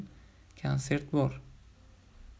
konsert bor